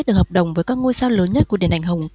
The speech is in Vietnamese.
được hợp đồng với các ngôi sao lớn nhất của điện ảnh hồng